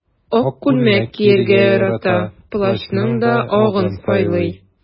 Ак күлмәк кияргә ярата, плащның да агын сайлый.